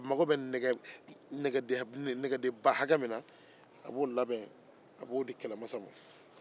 a mago bɛ nɛgɛden ba hake min na a b'o labɛn ka di kɛlɛmasa ma